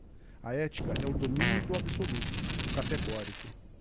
a ética é o domínio do absoluto do categórico